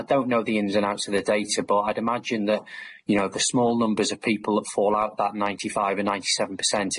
I don't know the ins and outs of the data but I'd imagine that you know the small numbers of people that fall out that ninety five and ninety seven percent,